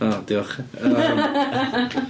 O, diolch .